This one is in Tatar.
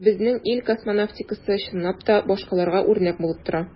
Безнең ил космонавтикасы, чынлап та, башкаларга үрнәк булып тора.